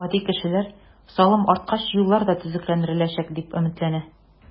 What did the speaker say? Гади кешеләр салым арткач, юллар да төзекләндереләчәк, дип өметләнә.